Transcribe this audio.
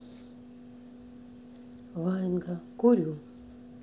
ваенга курю